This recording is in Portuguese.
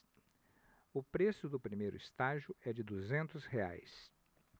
o preço do primeiro estágio é de duzentos reais